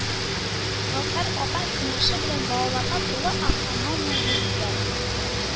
Гәүһәр апа киңәше белән балаларга «тулы автономия» бирелгән